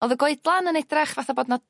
O'dd y goedlan yn edrach fatha bod 'na